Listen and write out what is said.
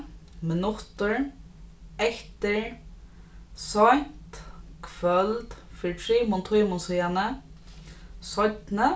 minuttur eftir seint kvøld fyri trimum tímum síðani seinni